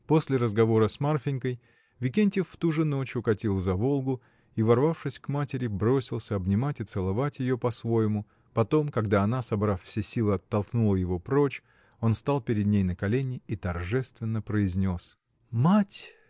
После разговора с Марфинькой Викентьев в ту же ночь укатил за Волгу и, ворвавшись к матери, бросился обнимать и целовать ее по-своему, потом, когда она, собрав все силы, оттолкнула его прочь, он стал перед ней на колени и торжественно произнес: — Мать!